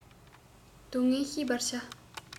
སྡུག བསྔལ ཤེས པར བྱ